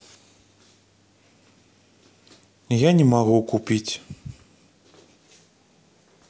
я не могу купить